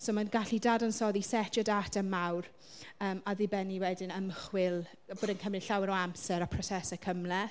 So mae'n gallu dadansoddi, setiau data mawr yym a dibennu wedyn ymchwil bod o'n cymryd llawer o amser a prosesau cymhleth.